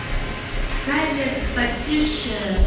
кай метов потише